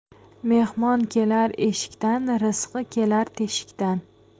mehmon kelar eshikdan rizqi kelar teshikdan